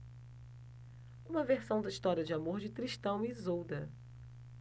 uma versão da história de amor de tristão e isolda